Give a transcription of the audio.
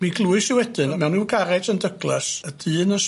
Mi glwys i wedyn mewn ryw garej yn Douglas y dyn yn